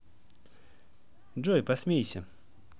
джой посмейся